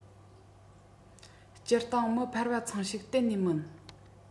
སྤྱིར བཏང མི ཕལ བ ཚང ཞིག གཏན ནས མིན